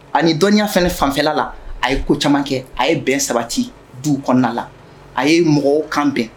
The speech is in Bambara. A ni dɔnniyafɛn fanfɛla la a ye ko caman kɛ a ye bɛn sabati du kɔnɔna la a ye mɔgɔw kan bɛn